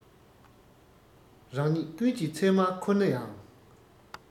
རང ཉིད ཀུན གྱིས ཚད མར ཁུར ན ཡང